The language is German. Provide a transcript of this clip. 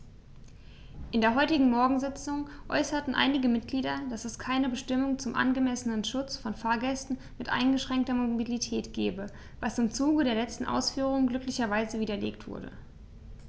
In der heutigen Morgensitzung äußerten einige Mitglieder, dass es keine Bestimmung zum angemessenen Schutz von Fahrgästen mit eingeschränkter Mobilität gebe, was im Zuge der letzten Ausführungen glücklicherweise widerlegt wurde.